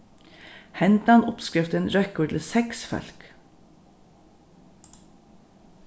hendan uppskriftin røkkur til seks fólk